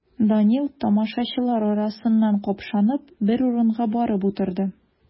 Данил, тамашачылар арасыннан капшанып, бер урынга барып утырды.